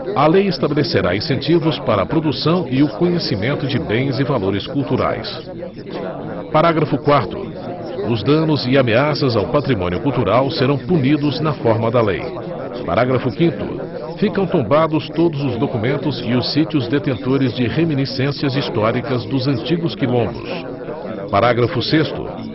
a lei estabelecerá incentivos para a produção e o conhecimento de bens e valores culturais parágrafo quarto os danos e ameaças ao patrimônio cultural serão punidos na forma da lei parágrafo quinto ficam tombados todos os documentos e os sítios detentores de reminiscências históricas dos antigos quilombos parágrafo sexto